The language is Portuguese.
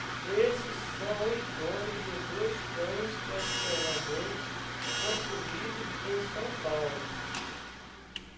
esses são os nomes de dois pães tradicionalmente consumidos em são paulo